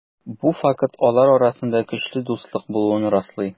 Бу факт алар арасында көчле дуслык булуын раслый.